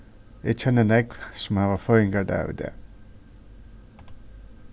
eg kenni nógv sum hava føðingardag í dag